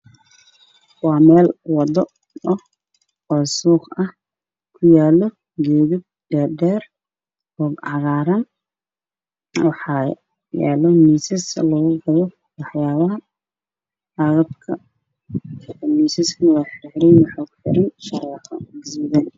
Waa suuq a ee ku yaallaan geedo waaweyn oo cagaar ah waxaana ag yaalo miisaas wax lagu iibiyo